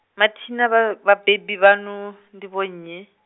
mathina vha- vhabebi vhaṋu ndi vho nnyi?